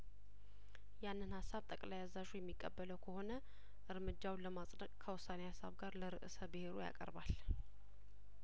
ያንን ሀሳብ ጠቅላይ አዛዡ የሚቀበለው ከሆነ እርምጃውን ለማጽደቅ ከውሳኔ ሀሳብ ጋር ለርእሰ ብሄሩ ያቀርባል